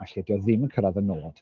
A lle 'di o ddim yn cyrraedd y nod.